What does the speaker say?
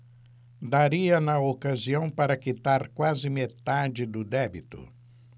daria na ocasião para quitar quase metade do débito